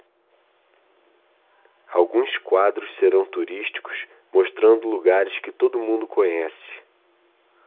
alguns quadros serão turísticos mostrando lugares que todo mundo conhece